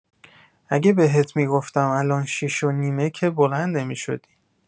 اگه بهت می‌گفتم الان شیش و نیمه که بلند نمی‌شدی.